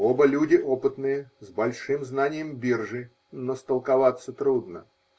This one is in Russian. Оба люди опытные, с большим знанием биржи, но столковаться трудно.